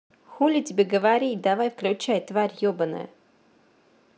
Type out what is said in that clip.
хули тебе говорить давай включай тварь ебаная